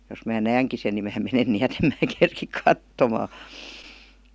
jos minä näenkin sen niin minä menen niin että en minä kerkiä katsomaan